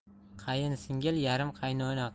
qayinsingil yarim qaynona